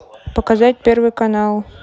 показать первый канал